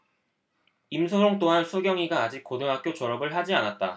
임슬옹 또한 수경이가 아직 고등학교 졸업을 하지 않았다